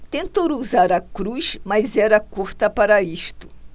tentou usar a cruz mas era curta para isto